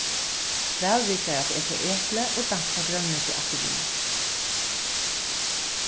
væl riggar at eta epli og dampað grønmeti afturvið